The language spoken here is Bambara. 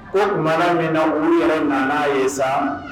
Ko mara min na olu yɛrɛ nana ye sa